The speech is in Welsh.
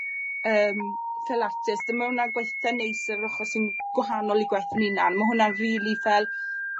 yym ffel artist a ma' hwnna'n gweitha neis ar ar ochor sy'n gwahanol i gwaith 'yn 'unan. Ma' hwnna'n rili fel